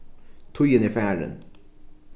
tíðin er farin